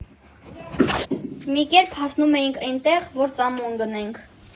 Մի կերպ հասնում էինք էնտեղ, որ ծամոն գնենք։